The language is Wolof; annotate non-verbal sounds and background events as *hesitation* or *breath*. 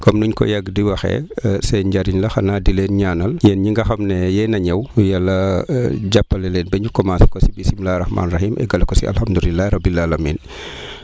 comme ni ñu ko yàgg di waxee *hesitation* seen njëriñ la xanaa di leen ñaanal yéen ñi nga xam ne yéen a ñëw yàlla jàppale leen ba ñu commencé ko si bisimilah rahmaani rahim eggale ko si alhamdulilah rabil aalamin *breath*